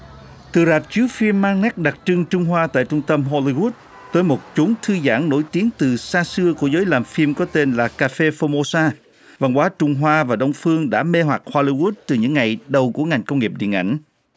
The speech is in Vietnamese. từ rạp chiếu phim mang nét đặc trưng trung hoa tại trung tâm hô ly gút tới một chốn thư giãn nổi tiếng từ xa xưa của giới làm phim có tên là cà phê pho mô xa văn hóa trung hoa và đông phương đã mê hoặc hô ly gút từ những ngày đầu của ngành công nghiệp điện ảnh